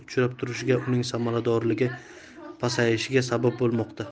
uchrab turishiga uning samaradorligi pasayishiga sabab bo'lmoqda